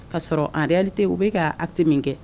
Kaasɔrɔ an tɛ u bɛka ka hakɛ min kɛ